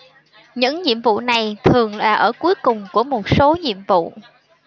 những nhiệm vụ này thường là ở cuối cùng của một số nhiệm vụ